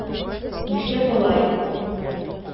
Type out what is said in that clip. Нишләп алай?